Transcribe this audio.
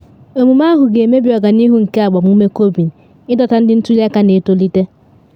Omume ahụ ga-emebi ọganihu nke agbamume Corbyn ịdọta ndị ntuli aka na etolite